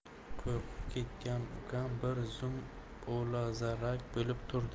qo'rqib ketgan ukam bir zum olazarak bo'lib turdi